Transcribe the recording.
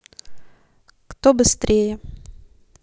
кто быстрее